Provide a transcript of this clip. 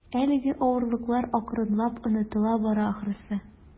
Теге авырлыклар акрынлап онытыла бара, ахрысы.